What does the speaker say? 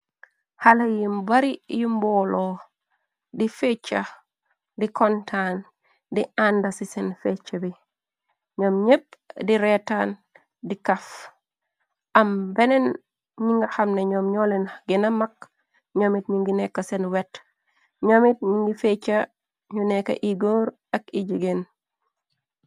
Xale yim bari yi mboolo di fecca di kontaan di ànda ci seen fecc bi ñoom ñépp di reetaan di kaf am benneen ñi nga xamna ñoom ñoolen gina mag ñamit ñi ngi nekk seen wet ñamit ñi ngi fecca ñu nekka igoor ak ij geen.